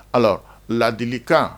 Ala ladilikan